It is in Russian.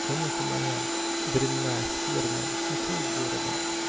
Комната моя дрянная, скверная, на краю города.